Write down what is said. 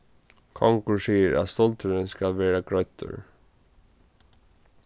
kongur sigur at stuldurin skal verða greiddur